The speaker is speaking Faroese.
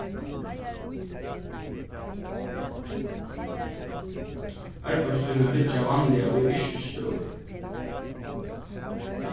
arbeiðstíðirnar liggja vanliga í yrkisdøgum